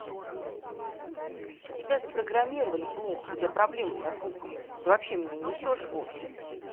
тебя запрограммировали плохо у тебя проблема со слухом ты вообще меня несешь вовсе